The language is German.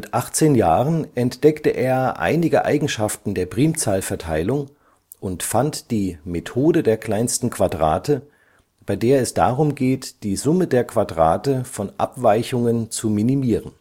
achtzehn Jahren entdeckte er einige Eigenschaften der Primzahlverteilung und fand die Methode der kleinsten Quadrate, bei der es darum geht, die Summe der Quadrate von Abweichungen zu minimieren